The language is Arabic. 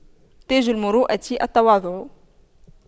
تاج المروءة التواضع